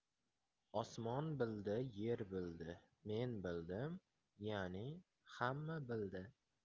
osmon bildi yer bildi men bildim yani hamma bildi